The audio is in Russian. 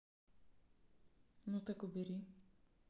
ну так убери